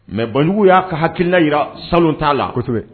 Mɛ banjugu y'a hakilikila jira sanulon t'a la kosɛbɛ